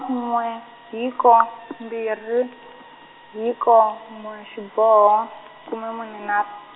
n'we hiko mbirhi, hiko, n'we xiboho, khume mune nharhu.